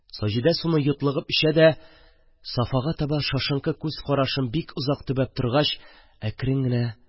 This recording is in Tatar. Саҗидә суны йотлыгып эчә дә, Сафага таба шашынкы күз карашын бик озак төбәп торгач, әкрен генә: